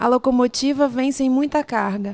a locomotiva vem sem muita carga